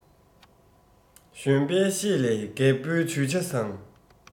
གཞོན པའི ཤེད ལས རྒད པོའི ཇུས བྱ བཟང